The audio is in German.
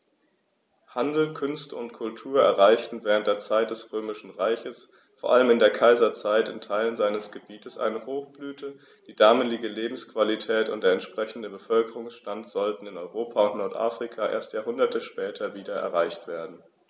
Handel, Künste und Kultur erreichten während der Zeit des Römischen Reiches, vor allem in der Kaiserzeit, in Teilen seines Gebietes eine Hochblüte, die damalige Lebensqualität und der entsprechende Bevölkerungsstand sollten in Europa und Nordafrika erst Jahrhunderte später wieder erreicht werden.